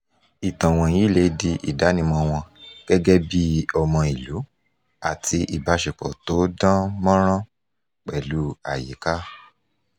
Ìtàn wọ̀nyí lè di ìdánimọ̀ọ wọn gẹ́gẹ́ bí ọmọ ìlú àti ìbáṣepọ̀ t'ó dán mánrán pẹ̀lú àyíká.